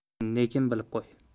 lekin bilib qo'y